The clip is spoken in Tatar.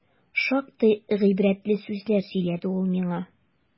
Шактый гыйбрәтле сүзләр сөйләде ул миңа.